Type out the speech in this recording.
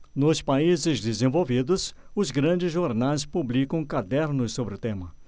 nos países desenvolvidos os grandes jornais publicam cadernos sobre o tema